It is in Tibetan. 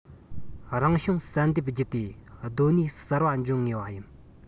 རང བྱུང བསལ འདེམས བརྒྱུད དེ གདོད ནུས གསར པ འབྱུང ངེས པ ཡིན